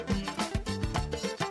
San